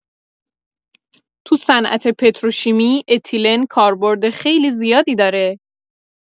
تو صنعت پتروشیمی، اتیلن کاربرد خیلی زیادی داره.